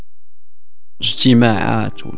سماعات